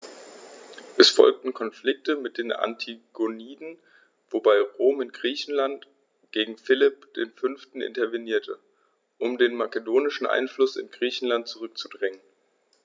Es folgten Konflikte mit den Antigoniden, wobei Rom in Griechenland gegen Philipp V. intervenierte, um den makedonischen Einfluss in Griechenland zurückzudrängen.